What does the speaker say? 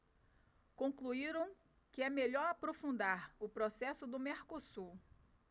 concluíram que é melhor aprofundar o processo do mercosul